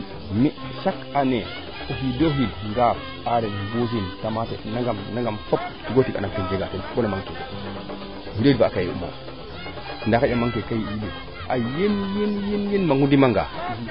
mi chaque année o xiiido xiid ga'a areer um roosin nangam nangam ku refna andaam keem jegaam teen bona mang ke u refna fo a cahier umo ndaa xanj na mang keeke a yeng yeng mangu ndima nga